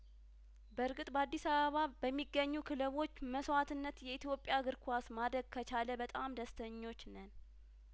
በእርግጥ በአዲስ አበባ በሚገኙ ክለቦች መስዋእትነት የኢትዮጵያ እግር ኳስ ማደግ ከቻለበጣም ደስተኞች ነን